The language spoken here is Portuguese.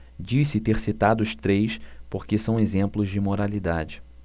disse ter citado os três porque são exemplos de moralidade